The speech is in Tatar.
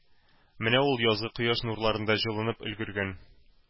Менә ул язгы кояш нурларында җылынып өлгергән